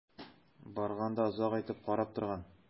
Барган да озак итеп карап торган.